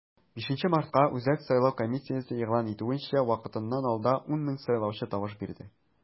5 мартка, үзәк сайлау комиссиясе игълан итүенчә, вакытыннан алда 10 мең сайлаучы тавыш бирде.